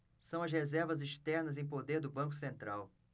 são as reservas externas em poder do banco central